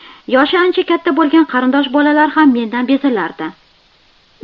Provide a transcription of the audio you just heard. yoshi ancha katta bo'lgan qarindosh bolalar ham mendan bezillardi